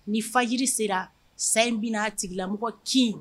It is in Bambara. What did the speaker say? Ni fa jiri sera san in bɛna a tigila mɔgɔ kin